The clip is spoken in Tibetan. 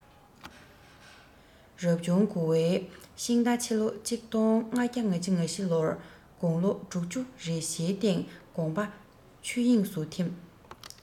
རབ བྱུང དགུ བའི ཤིང རྟ ཕྱི ལོ ༡༥༥༤ ལོར དགུང ལོ དྲུག ཅུ རེ བཞིའི སྟེང དགོངས པ ཆོས དབྱིངས སུ འཐིམས